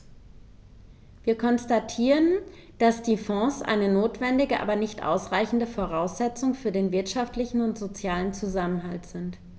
Wir konstatieren, dass die Fonds eine notwendige, aber nicht ausreichende Voraussetzung für den wirtschaftlichen und sozialen Zusammenhalt sind.